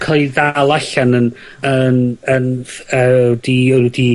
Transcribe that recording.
...ca'l 'u dal allan yn yn yn ff- yyy 'di o' nw 'di...